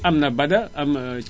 am na Bada am